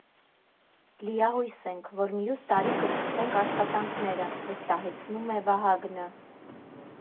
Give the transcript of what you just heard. Լիահույս ենք, որ մյուս տարի կսկսենք աշխատանքները»,֊ վստահեցնում է Վահագնը։